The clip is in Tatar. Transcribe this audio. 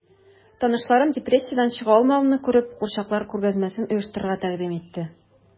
Танышларым, депрессиядән чыга алмавымны күреп, курчаклар күргәзмәсе оештырырга тәкъдим итте...